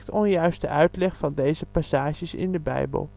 onjuiste uitleg van deze passages in de Bijbel